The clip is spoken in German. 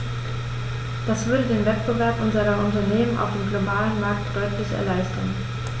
Das würde den Wettbewerb unserer Unternehmen auf dem globalen Markt deutlich erleichtern.